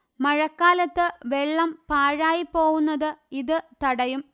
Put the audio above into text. മഴക്കാലത്ത് വെള്ളം പാഴായിപ്പോവുന്നത് ഇത് തടയും